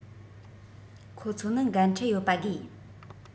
ཁོ ཚོ ནི འགན འཁྲི ཡོད པ དགོས